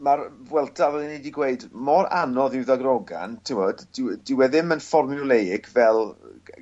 ma'r Vuelta fel 'yn ni 'di gweud mor anodd i'w ddarogan t'wod dyw dyw e ddim ynformulaic fel